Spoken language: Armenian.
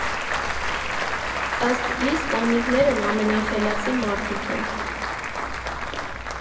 Ըստ իս՝ կոմիկներն ամենախելացի մարդիկ են։